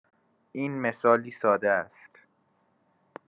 این مثالی ساده است.